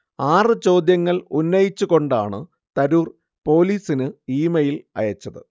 ആറ് ചോദ്യങ്ങൽ ഉന്നയിച്ചുകൊണ്ടാണ് തരൂർ പൊലീസിന് ഇമെയ്ൽ അയച്ചത്